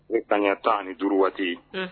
O kanɲa ta ni duuru waati